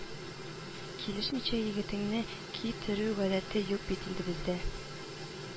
Килешмичә егетеңне ки терү гадәте юк бит инде бездә